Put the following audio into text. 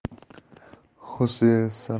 xose saramagoning ko'rlik